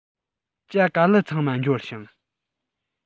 ཇ ག ལི ཚང མ འབྱོར བྱུང